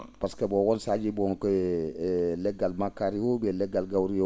par ce que bon won sahaaji ko e e le?gal makkaari hee ou le?gal gawri hee